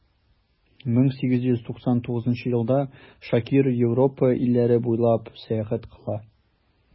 1899 елда шакир европа илләре буйлап сәяхәт кыла.